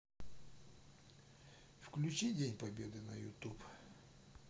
включи день победы на ютуб